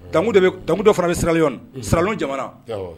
Tan dɔ fana bɛ siranliɔn salon jamana